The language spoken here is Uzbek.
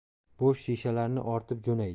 bo'sh shishalarni ortib jo'naydi